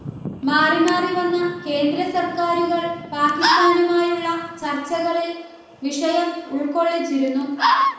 മാറിമാറി വന്ന കേന്ദ്രസർക്കാരുകൾ പാകിസ്താനുമായുള്ള ചർച്ചകളിൽ വിഷയം ഉൾക്കൊള്ളിച്ചിരുന്നു